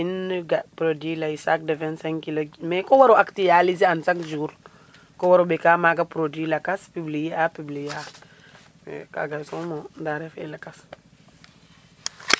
ga' produit les sacs de 25 kilos mais ko war o actualiser an chaque jours ko war o ɓekaa maaga produit lakas publier a publier i a kaaga soom o ndaa refee lakas.